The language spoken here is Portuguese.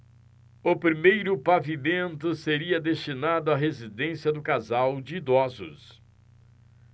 o primeiro pavimento seria destinado à residência do casal de idosos